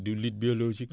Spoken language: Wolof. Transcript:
du lutte biologique